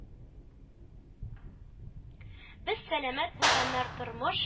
Без, сәламәт булганнар, тормыш